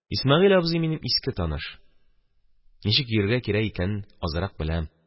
Исмәгыйль абзый – минем иске таныш, ничек йөрергә кирәк икәнне азрак беләм.